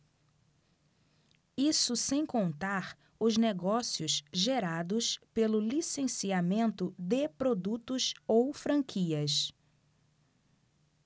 isso sem contar os negócios gerados pelo licenciamento de produtos ou franquias